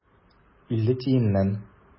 Илле тиеннән.